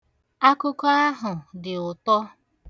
Akụkọ ahụ dị ụtọ.